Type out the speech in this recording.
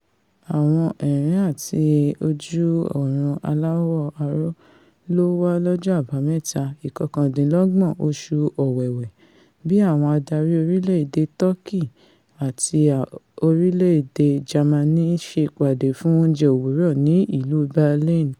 Àwọn ẹ̀rín àti ojú-ọrun aláwọ aró lówà lọ́jọ́ Àbámẹ́tà (ìkọkàndínlọ́gbọ̀n oṣ̀ù Owewe) bí àwọn adari orílẹ̀-èdè Tọ́kì àti orílẹ̀-èdè Jamani ṣe pàdé fún oúnjẹ òwúrọ̀ ní ìlú Berlin.